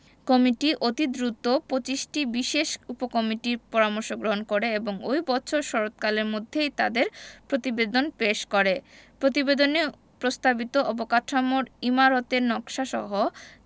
committee অতি দ্রুত ২৫টি বিশেষ উপকমিটির পরামর্শ গ্রহণ করে এবং ওই বছর শরৎকালের মধ্যেই তাদের প্রতিবেদন পেশ করে প্রতিবেদনে প্রস্তাবিত অবকাঠামোর ইমারতের নকশাসহ